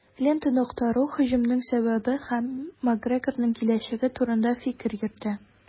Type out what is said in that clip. "лента.ру" һөҗүмнең сәбәбе һәм макгрегорның киләчәге турында фикер йөртә.